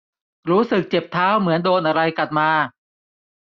รู้สึกเจ็บเท้าเหมือนโดนอะไรกัดมา